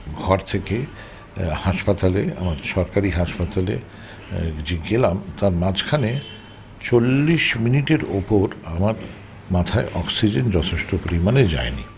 ঘর থেকে হাসপাতালে আমার সরকারি হাসপাতালে যে গেলাম তার মাঝখানে 40 মিনিটের উপর আমার মাথায় অক্সিজেন যথেষ্ট পরিমাণে যায়নি